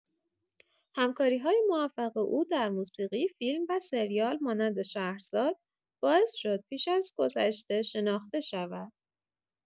همکاری‌های موفق او در موسیقی فیلم و سریال مانند شهرزاد باعث شد بیش از گذشته شناخته شود.